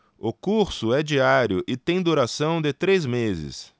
o curso é diário e tem duração de três meses